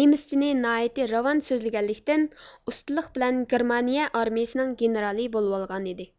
نېمىسچىنى ناھايىتى راۋان سۆزلىگەنلىكتىن ئۇستىلىق بىلەن گېرمانىيە ئارمىيىسىنىڭ گېنىرالى بولۇۋالغانىدى